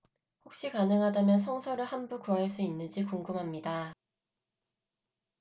혹시 가능하다면 성서를 한 부 구할 수 있는지 궁금합니다